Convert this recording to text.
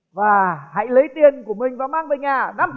và hãy lấy tiền của mình và mang về nhà năm